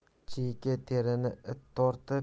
chiyki terini it tortar